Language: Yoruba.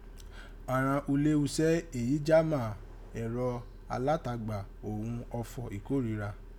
Àghan ule iṣẹ èyí já má ẹ̀rọ alátagbà òghun ọfọ̀ ìkórìíra.